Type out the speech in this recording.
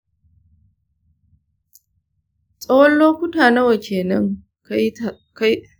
tsawon lokuta nawa kenan ka yi saduwa ba tare da kariya ba?